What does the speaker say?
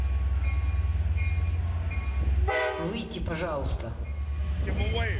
выйти пожалуйста